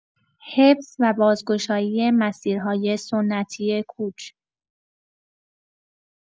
حفظ و بازگشایی مسیرهای سنتی کوچ